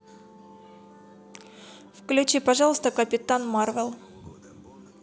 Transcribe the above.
включи пожалуйста капитан марвел